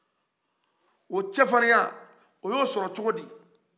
o cɛ fariya a y'o sɔrɔcɔgo di